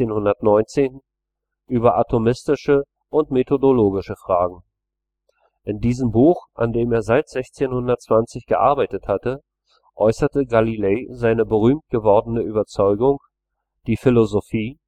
1619, über atomistische und methodologische Fragen. In diesem Buch, an dem er seit 1620 gearbeitet hatte, äußerte Galilei seine berühmt gewordene Überzeugung, die Philosophie